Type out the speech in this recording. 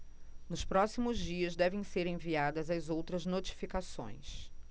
nos próximos dias devem ser enviadas as outras notificações